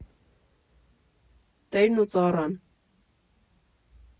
Տերն ու ծառան։